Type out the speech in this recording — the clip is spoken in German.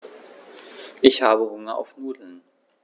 Ich habe Hunger auf Nudeln.